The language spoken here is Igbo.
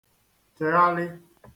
-chèghalị